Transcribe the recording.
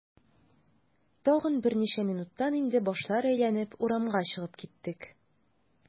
Тагын берничә минуттан инде башлар әйләнеп, урамга чыгып киттек.